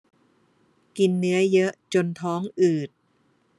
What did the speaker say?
กินเนื้อเยอะจนท้องอืด